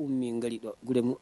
K' mi kadi dɔn gɛmu